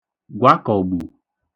gwakọ̀gbù